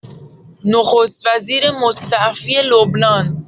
نخست‌وزیر مستعفی لبنان